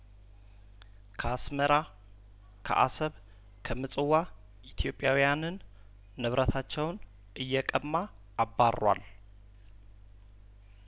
ከአስመራ ከአሰብ ከምጽዋ ኢትዮጵያውያንን ንብረታቸውን እየቀማ አባሯል